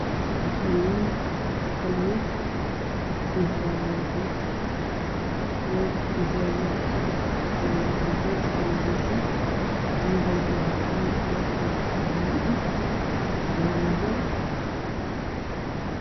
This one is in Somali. Waa meel masaajid ah oo ay joogaan dad fara badan oo niman ah oo sena tukanayo waxay noqotaan dhar kala duwan oo kala nooca